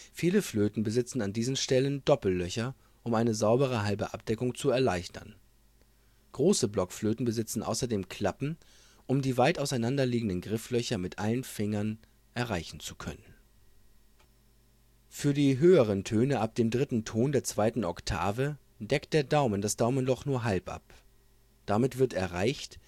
Viele Flöten besitzen an diesen Stellen Doppellöcher, um eine saubere halbe Abdeckung zu erleichtern. Große Blockflöten besitzen außerdem Klappen, um die weit auseinander liegenden Grifflöcher mit den Fingern alle erreichen zu können. Für die höheren Töne ab dem dritten Ton der zweiten Oktave deckt der Daumen das Daumenloch nur halb ab. Damit wird erreicht